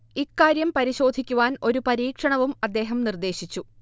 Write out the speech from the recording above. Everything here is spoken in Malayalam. ഇക്കാര്യം പരിേശാധിക്കുവാൻ ഒരു പരീക്ഷണവും അദ്ദേഹം നിർേദ്ദശിച്ചു